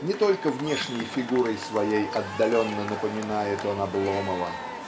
Не только внешней фигурой своей отдаленно напоминает он Обломова